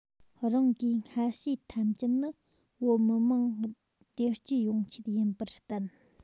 རང གིས སྔར བྱས ཐམས ཅད ནི བོད མི དམངས བདེ སྐྱིད ཡོང ཆེད ཡིན པར བསྟན